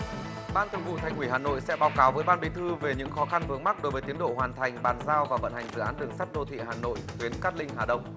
ban thường vụ thành ủy hà nội sẽ báo cáo với ban bí thư về những khó khăn vướng mắc đối với tiến độ hoàn thành bàn giao và vận hành dự án đường sắt đô thị hà nội tuyến cát linh hà đông